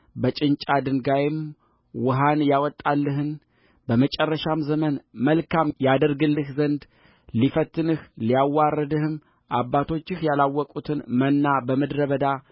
ከጭንጫ ድንጋይም ውኃን ያወጣልህንበመጨረሻም ዘመን መልካም ያደርግልህ ዘንድ ሊፈትንህ ሊያዋርድህም አባቶችህ ያላወቁትን መና በምድረ በዳ